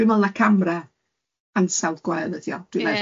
Dwi'n meddwl na camra ansawdd gwael ydy o dwi'n meddwl.